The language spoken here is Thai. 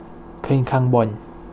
ขึ้นข้างบน